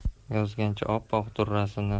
yozgancha oppoq durrasini